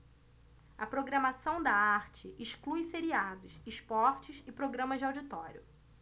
a programação da arte exclui seriados esportes e programas de auditório